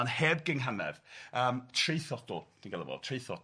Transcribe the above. ...ond heb gynghanedd, yym traethodl ti'n galw fo, traethodl.